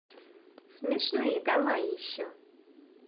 смешные давай еще